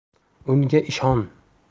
unga ishon